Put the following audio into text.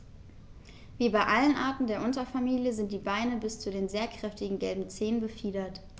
Wie bei allen Arten der Unterfamilie sind die Beine bis zu den sehr kräftigen gelben Zehen befiedert.